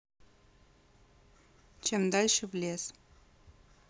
чем дальше в лес